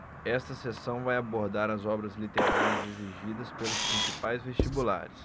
esta seção vai abordar as obras literárias exigidas pelos principais vestibulares